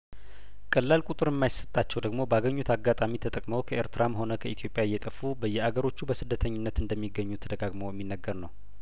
ቀላል ቁጥር እማይሰጣቸው ደግሞ ባገኙት አጋጣሚ ተጠቅመው ከኤርትራም ሆነ ከኢትዮጵያ እየጠፉ በየአገሮቹ በስደተኝነት እንደሚገኙ ተደጋግሞ የሚነገር ነው